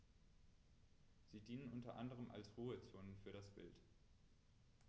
Sie dienen unter anderem als Ruhezonen für das Wild.